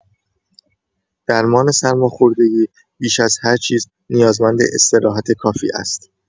درمان سرماخوردگی بیش از هر چیز نیازمند استراحت کافی است.